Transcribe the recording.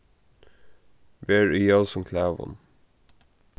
ver í ljósum klæðum